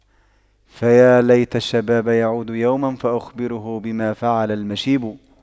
فيا ليت الشباب يعود يوما فأخبره بما فعل المشيب